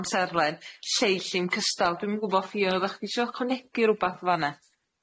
amserlen, lleill sy'n cystal, dwi'm yn gwbo Ffion oddach chdi isio ychwanegu rwbath fan 'na.